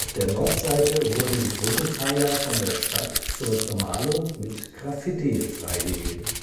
der Nordseite wurden die Brückenpfeiler von der Stadt zur Bemalung mit Graffiti freigegeben